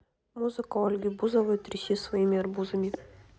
музыка ольги бузовой треси своими арбузами